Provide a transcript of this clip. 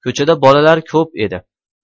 ko'chada bolalar ko'p edi